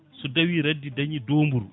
so dawi raddi dañi donburu